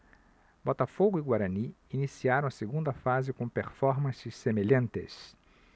botafogo e guarani iniciaram a segunda fase com performances semelhantes